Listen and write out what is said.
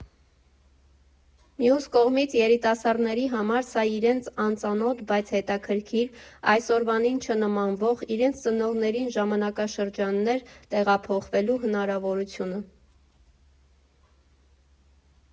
Մյուս կողմից՝ երիտասարդների համար սա իրենց անծանոթ, բայց հետաքրքիր, այսօրվանին չնմանվող, իրենց ծնողների ժամանակաշրջան տեղափոխվելու հնարավորություն է։